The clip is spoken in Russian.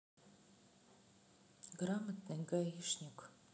грамотный гаишник